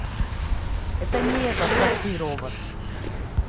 это не этот как ты робот